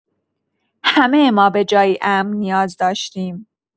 همه ما به جایی امن نیاز داشتیم.